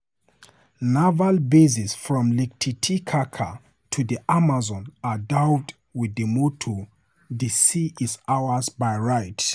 Naval bases from Lake Titicaca to the Amazon are daubed with the motto: "The sea is ours by right.